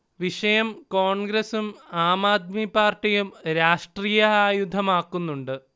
വിഷയം കോൺഗ്രസും ആംആദ്മി പാർട്ടിയും രാഷ്ട്രീയ ആയുധമാക്കുന്നുണ്ട്